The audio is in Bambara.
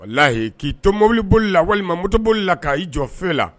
Layi k'i to mobilib boli la walima motooli la k i jɔ fɛrɛ la